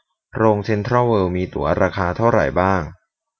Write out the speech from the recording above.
โรงเซ็นทรัลเวิลด์มีตั๋วราคาเท่าไหร่บ้าง